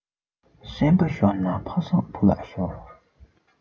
སེམས པ ཤོར ན ཕ བཟང བུ ལ ཤོར